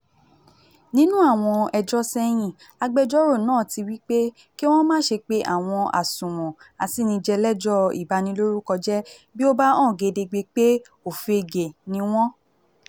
Nínú àwọn ẹjọ́ sẹ́yìn, agbẹjọ́rò náà ti wí pé kí wọ́n má ṣe pé àwọn àsùnwọ̀n asínnijẹ lẹ́jọ́ ìbanilórúkọjẹ́ bí ó bá hàn gedegbe pé òfegè ni wọ́n.